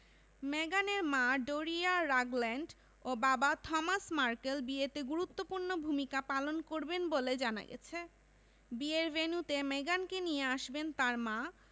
মেগানের মা Doria Ragland ও বাবা থমাস মার্কেল বিয়েতে গুরুত্বপূর্ণ ভূমিকা পালন করবেন বলে জানা গেছে বিয়ের ভেন্যুতে মেগানকে নিয়ে আসবেন তাঁর মা